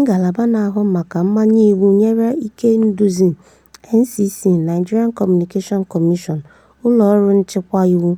Ngalaba na-ahụ maka Mmanye Iwu nwere ike iduzi NCC [Nigerian Communications Commission — ụlọ ọrụ nchịkwa iwu